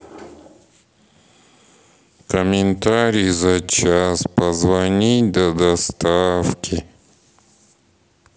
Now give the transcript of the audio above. комментарий за час позвонить до доставки